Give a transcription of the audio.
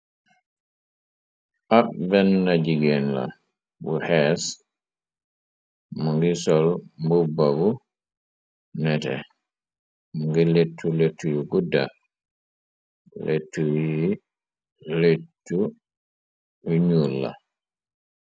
ab ben na jigeen la bu xees mu ngi sol mbubba bu nete ngi lettu let yu gudda letuy letcu yu ñuul la